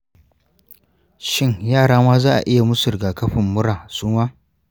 shin yara ma za'a iya musu rigakafin mura suma?